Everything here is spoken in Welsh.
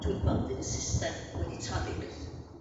dwi'n gweld fydd y system wedi torri byth.